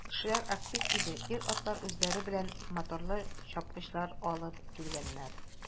Кешеләр актив иде, ир-атлар үзләре белән моторлы чапкычлар алыпн килгәннәр.